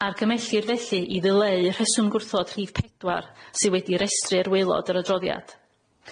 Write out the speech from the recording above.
Argymellir felly i ddyleu rheswm gwrthod rhif pedwar sy wedi restrir waelod yr adroddiad.